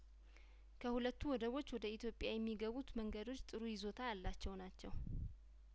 ከሁለቱ ወደቦች ወደ ኢትዮጵያ የሚገቡት መንገዶች ጥሩ ይዞታ ያላቸው ናቸው